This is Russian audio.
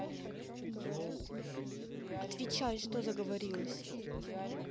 отвечай что заговорилась